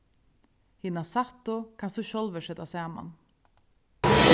hina sættu kanst tú sjálvur seta saman